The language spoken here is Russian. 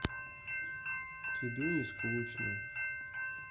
тебе не скучно